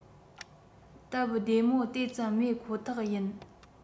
སྟབས བདེ མོ དེ ཙམ མེད ཁོ ཐག ཡིན